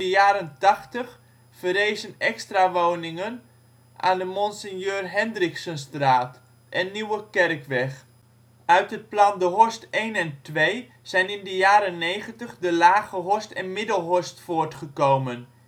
jaren tachtig verrezen extra woningen aan de Mgr. Hendriksenstraat en Nieuwe Kerkweg. Uit het plan De Horst 1 en 2 zijn in de jaren 90 de Lage Horst en Middelhorst voortgekomen